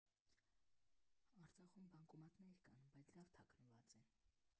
Արցախում բանկոմատներ կան, բայց լավ թաքնված են։